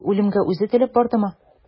Ул үлемгә үзе теләп бардымы?